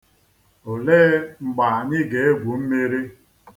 Olee mgbe anyị ga-egwu mmiri?